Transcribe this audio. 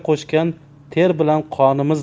qo'shgan ter bilan qonimizdir